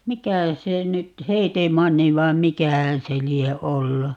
mikä se nyt Heetemanni vai mikähän se lie ollut